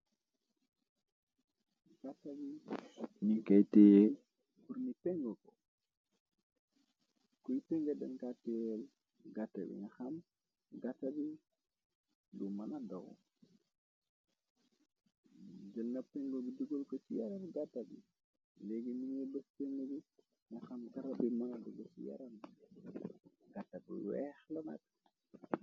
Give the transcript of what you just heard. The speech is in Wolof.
Gata bi nun kooy tee bur nu pengu ko kuy pengu denka tileel gatta bi naxam gatta bi lu mana daw jël na pengu bi dugal ko ci yarami gatta bi léegi mi ngay bës pengu bi naxam garab bi mëna dagu ci yaram gata bi weex la nak.